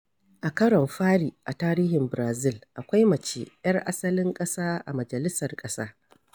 A karon fari a tarihin Barazil, akwai mace 'yar asalin ƙasa a majalisar ƙasa.